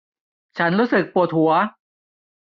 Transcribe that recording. ฉันรู้สึกปวดหัว